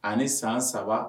Ani san saba